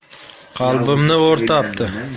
qalbimni o'rtabdi